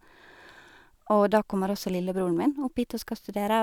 Og da kommer også lillebroren min opp hit og skal studere.